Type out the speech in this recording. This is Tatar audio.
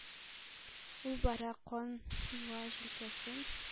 Ул бара, кан юа җилкәсен